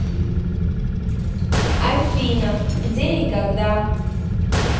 афина где и когда